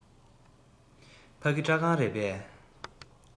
ཕ གི སྐྲ ཁང རེད པས